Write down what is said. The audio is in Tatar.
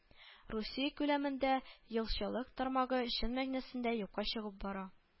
Русия күләмендә елкычылык тармагы чын мәгънәсендә юкка чыгып бара